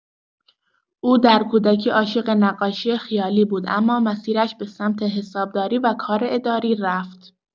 او در کودکی عاشق نقاشی خیالی بود اما مسیرش به سمت حسابداری و کار اداری رفت.